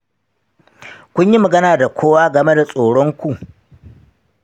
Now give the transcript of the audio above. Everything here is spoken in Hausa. kun yi magana da kowa game da tsoronku?